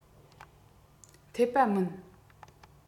འཐད པ མིན